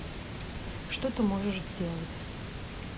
что ты можешь сделать